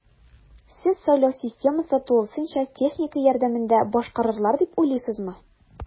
Сез сайлау системасы тулысынча техника ярдәмендә башкарарылыр дип уйлыйсызмы?